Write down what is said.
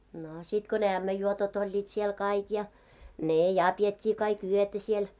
no sitten kun ne ämmänjuotot olivat siellä kaikki ja ne ja pidettiin kaikki yötä siellä